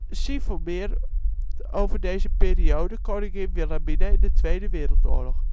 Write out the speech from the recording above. Zie voor meer over deze periode Koningin Wilhelmina in de Tweede Wereldoorlog